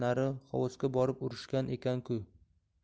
nari xovosga borib urushgan ekan ku